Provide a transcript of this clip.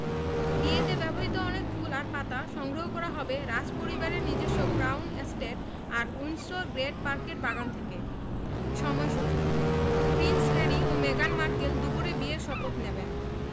বিয়েতে ব্যবহৃত অনেক ফুল আর পাতা সংগ্রহ করা হবে রাজপরিবারের নিজস্ব ক্রাউন এস্টেট আর উইন্ডসর গ্রেট পার্কের বাগান থেকে সময়সূচি প্রিন্স হ্যারি ও মেগান মার্কেল দুপুরে বিয়ের শপথ নেবেন